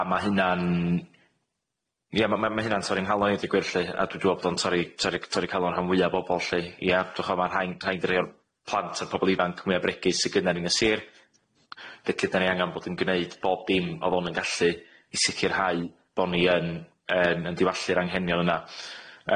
A ma' hynna'n ia ma' ma' hynna'n torri'n nghalon i deud gwir lly a dw i dw i me'wl bod o'n torri torri torri calon rhan fwya bobol lly ia 'da chi 'bo ma' rhain rha- rhain 'di rhei o'r plant a'r pobol ifanc mwya bregus sy gynna ni yn y sir felly 'da ni angan bod yn gneud bob dim o fown yn gallu i sicirhau bo ni yn yn yn diwallu'r anghenion yna.